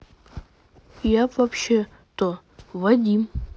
я вообще то вадим